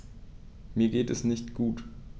Mir geht es nicht gut.